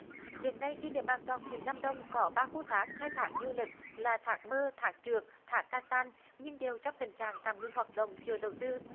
hiện nay trên địa bàn toàn huyện nam đông có ba khu thác khai thác du lịch là thác mơ thác trượt thác ca san nhưng đều trong tình trạng tạm ngừng hoạt động chưa đầu tư